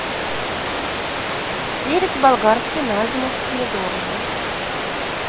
перец болгарский на зиму с помидорами